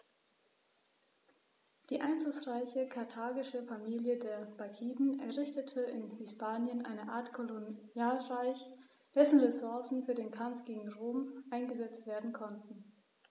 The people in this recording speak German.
Die einflussreiche karthagische Familie der Barkiden errichtete in Hispanien eine Art Kolonialreich, dessen Ressourcen für den Kampf gegen Rom eingesetzt werden konnten.